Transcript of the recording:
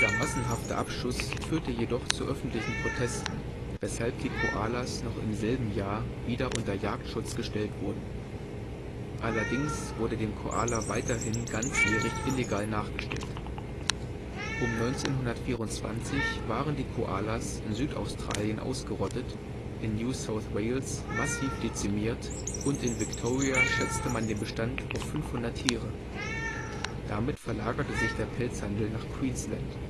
massenhafte Abschuss führte jedoch zu öffentlichen Protesten, weshalb die Koalas noch im selben Jahr wieder unter Jagdschutz gestellt wurden. Allerdings wurde dem Koala weiterhin ganzjährig illegal nachgestellt. Um 1924 waren die Koalas in Südaustralien ausgerottet, in New South Wales massiv dezimiert und in Victoria schätzte man den Bestand auf 500 Tiere. Damit verlagerte sich der Pelzhandel nach Queensland